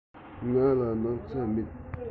ང ལ སྣག ཚ མེད